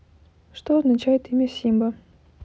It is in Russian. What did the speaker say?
что означает имя симба